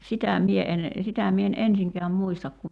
sitä minä en sitä minä en ensinkään muista kun